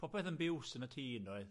Popeth yn biws yn y tŷ yndoedd?